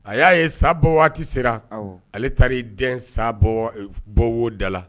A y'a ye sabɔ waati sera ale taarari den sa bɔda la